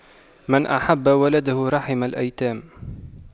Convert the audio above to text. من أحب ولده رحم الأيتام